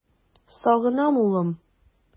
Сагынам, улым!